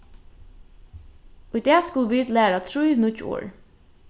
í dag skulu vit læra trý nýggj orð